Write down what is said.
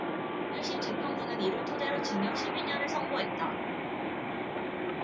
일 심 재판부는 이를 토대로 징역 십 이 년을 선고했다